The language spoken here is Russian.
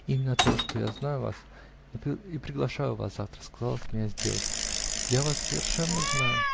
-- Именно оттого, что знаю вас, и приглашаю вас завтра, -- сказала смеясь девушка. -- Я вас совершенно знаю.